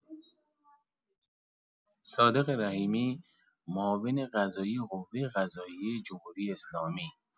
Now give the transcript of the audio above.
صادق رحیمی، معاون قضایی قوه‌قضاییه جمهوری‌اسلامی